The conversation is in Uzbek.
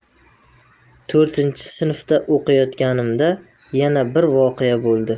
to'rtinchi sinfda o'qiyotganimda yana bir voqea bo'ldi